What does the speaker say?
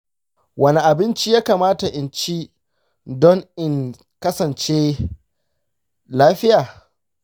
wane abinci ya kamata in ci don in kasance lafiya?